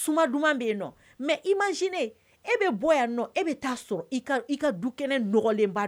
Suma duman bɛ yen nɔ Mais imagine e bi bɔ yan nɔ e bi taa sɔrɔ i ka du kɛnɛ nɔgɔlen ba